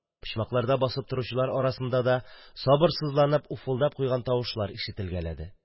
Почмакларда басып торучылар арасында да сабырсызланып, уфылдап куйган тавышлар ишетелгәләде.